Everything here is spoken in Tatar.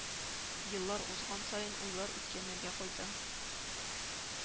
Еллар узган саен уйлар үткәннәргә кайта